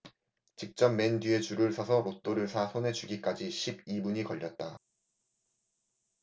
직접 맨 뒤에 줄을 서서 로또를 사 손에 쥐기까지 십 이 분이 걸렸다